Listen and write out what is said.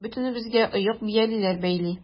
Бөтенебезгә оек-биялиләр бәйли.